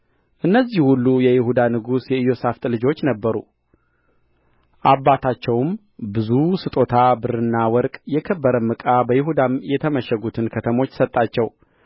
እነዚህ ሁሉ የይሁዳ ንጉሥ የኢዮሣፍጥ ልጆች ነበሩ አባታቸውም ብዙ ስጦታ ብርና ወርቅ የከበረም ዕቃ በይሁዳም የተመሸጉትን ከተሞች ሰጣቸው